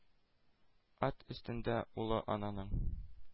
Ат өстендә улы ананың,